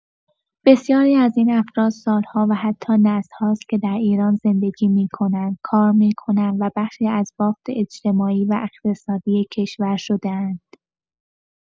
بسیاری از این افراد سال‌ها و حتی نسل‌هاست که در ایران زندگی می‌کنند، کار می‌کنند و بخشی از بافت اجتماعی و اقتصادی کشور شده‌اند.